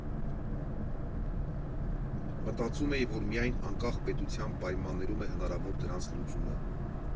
Մտածում էի, որ միայն անկախ պետության պայմաններում է հնարավոր դրանց լուծումը։